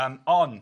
yym ond.